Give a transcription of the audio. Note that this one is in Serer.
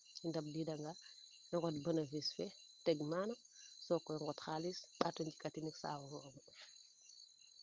i ndamb diiga nga i ngot benefice fee teg maana sokoy ngot xalis mbaato njika tinin saafu fo omo